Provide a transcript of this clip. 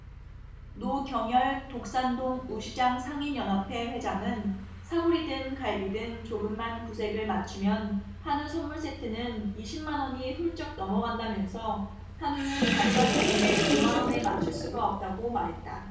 노경열 독산동우시장상인연합회 회장은 사골이든 갈비든 조금만 구색을 맞추면 한우 선물세트는 이십 만 원이 훌쩍 넘어간다면서 한우는 단가 때문에 오 만 원에 맞출 수가 없다고 말했다